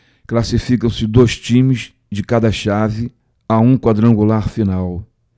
classificam-se dois times de cada chave a um quadrangular final